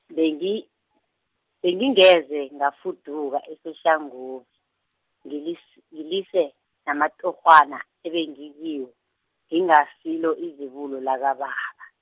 bengi-, bengingeze ngafuduka eSoshanguve, ngilis- ngilise namatorhwana ebengikiwo, ngingasilo izibulo lakababa.